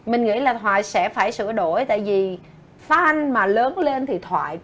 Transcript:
mình nghĩ là thoại sẽ phải sửa đổi tại vì phan mà lớn lên thì thoại